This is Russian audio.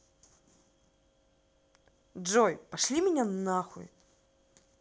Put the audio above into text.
джой пошли меня нахуй